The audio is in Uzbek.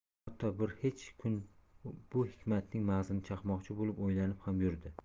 hatto bir necha kun bu hikmatning mag'zini chaqmoqchi bo'lib o'ylanib ham yurdi